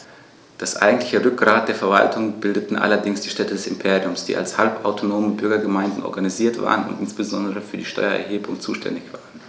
Das eigentliche Rückgrat der Verwaltung bildeten allerdings die Städte des Imperiums, die als halbautonome Bürgergemeinden organisiert waren und insbesondere für die Steuererhebung zuständig waren.